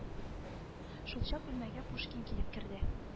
Шулчак бүлмәгә пушкин килеп керде